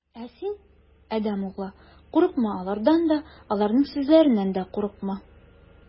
Ә син, адәм углы, курыкма алардан да, аларның сүзләреннән дә курыкма.